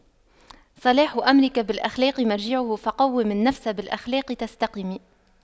صلاح أمرك بالأخلاق مرجعه فَقَوِّم النفس بالأخلاق تستقم